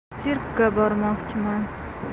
sirkga bormoqchiman